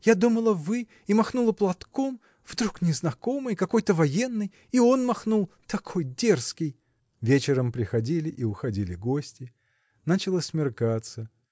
я думала – вы, и махнула платком, вдруг незнакомые, какой-то военный. И он махнул, такой дерзкий!. Вечером приходили и уходили гости. Начало смеркаться.